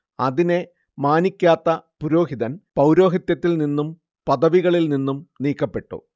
അതിനെ മാനിക്കാത്ത പുരോഹിതൻ പൗരോഹിത്യത്തിൽ നിന്നും പദവികളിൽ നിന്നും നീക്കപ്പെട്ടു